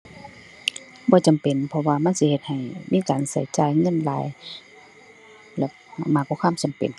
บ่จำเป็นเพราะว่ามันสิเฮ็ดให้มีการใช้จ่ายเงินหลาย และ มากกว่าความจำเป็น